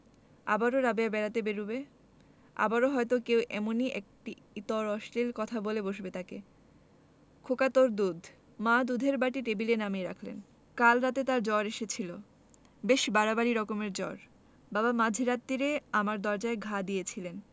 আবারও রাবেয়া বেড়াতে বেরুবে আবারো হয়তো কেউ এমনি একটি ইতর অশ্লীল কথা বলে বসবে তাকে খোকা তোর দুধ মা দুধের বাটি টেবিলে নামিয়ে রাখলেন কাল রাতে তার জ্বর এসেছিল বেশ বাড়াবাড়ি রকমের জ্বর বাবা মাঝ রাত্তিরে আমার দরজায় ঘা দিয়েছিলেন